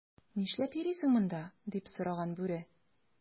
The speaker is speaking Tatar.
"нишләп йөрисең монда,” - дип сораган бүре.